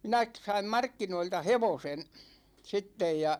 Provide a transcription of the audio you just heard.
minä - sain markkinoilta hevosen sitten ja